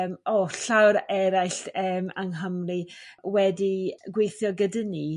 eem o llawer eraill yng Nghymru wed gweithio gyda ni